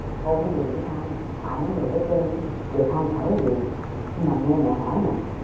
thôi mấy người đừng có than tại mấy người hết trơn á giờ than thở gì nhưng mà nghe mẹ hỏi nè